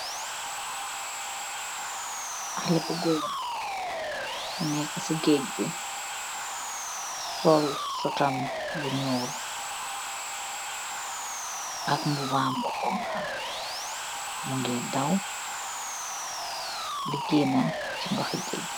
Haleh bu korr nekaah si gaag bi , sol sotam bu jul ak mbubam bu honha bukeh doow di kenaah si doheeh gaag bi .